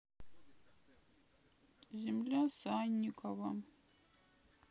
земля санникова